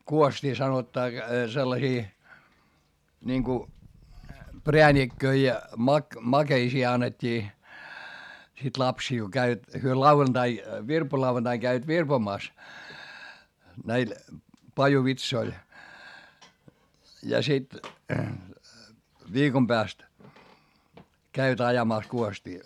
kuostia sanotaan sellaisia niin kun prääniköitä ja - makeisia annettiin sitten lapsille kun kävivät he lauantai virpolauvantaina kävivät virpomassa näillä pajuvitsoilla ja sitten viikon päästä kävivät ajamassa kuostia